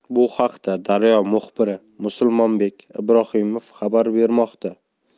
bu haqda daryo muxbiri musulmonbek ibrohimov xabar bermoqda